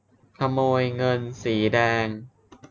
ขโมยเงินสีแดง